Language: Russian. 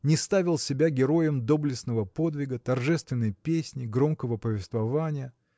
не ставил себя героем доблестного подвига торжественной песни громкого повествования?